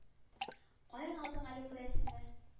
Каян алдың әле бу рәсемне